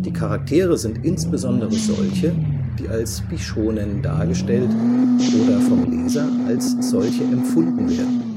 Charaktere sind insbesondere solche, die als Bishōnen dargestellt oder vom Leser als solche empfunden werden